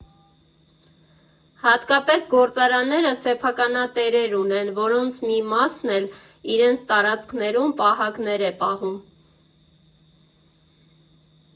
Հատկապես գործարանները սեփականատերեր ունեն, որոնց մի մասն էլ իրենց տարածքներում պահակներ է պահում։